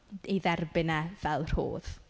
Ei dderbyn e fel rhodd.